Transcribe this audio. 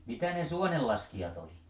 mitä ne suonenlaskijat oli